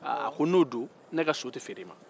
aaa a ko n'o do ne ka so tɛ feere man